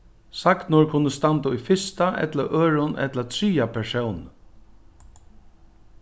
sagnorð kunnu standa í fyrsta ella øðrum ella triðja persóni